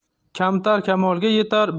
kamtar kamolga yetar